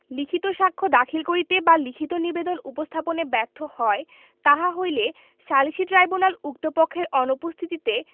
লিখিত সাক্ষ্য দাখিল করিতে বা লিখিত নিবেদন উপস্থাপনে ব্যর্থ হয় তাহা হইলে সালিসী ট্রাইব্যুনাল উক্ত পক্ষের অনুপস্থিতিতে